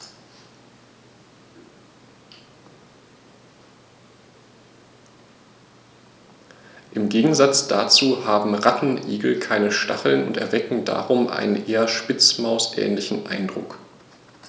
Im Gegensatz dazu haben Rattenigel keine Stacheln und erwecken darum einen eher Spitzmaus-ähnlichen Eindruck.